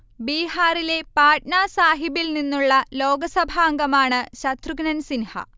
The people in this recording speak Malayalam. ബീഹാറിലെ പാട്ന സാഹിബിൽ നിന്നുള്ള ലോകസഭാംഗമാണ് ശത്രുഘ്നൻ സിൻഹ